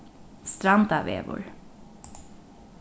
strandavegur